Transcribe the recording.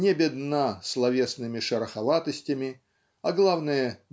не бедна словесными шероховатостями а главное